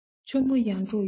ཆུ མོ ཡར འབྲོག གཡུ མཚོ